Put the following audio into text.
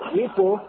I tun